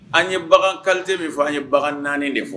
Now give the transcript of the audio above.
An ye bagankate min fɔ an ye bagan naani de fɔ